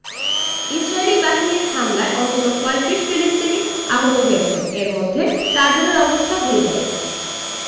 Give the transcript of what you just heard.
ইসরাইলি বাহিনীর হামলায় অন্তত ৩৫ ফিলিস্তিনি আহত হয়েছেন এর মধ্যে চারজনের অবস্থা গুরুত্বর